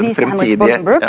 fremtidige ja.